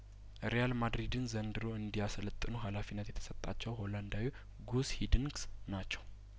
ሪያል ማድሪድን ዘንድሮ እንዲ ያሰለጥኑ ሀላፊነት የተሰጣቸው ሆላንዳዊው ጉስሂድን ክስ ናቸው